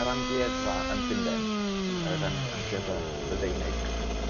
yr amgueddfa yn Llunden yr am- amgueddfa Brydeinig